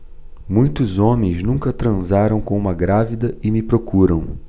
muitos homens nunca transaram com uma grávida e me procuram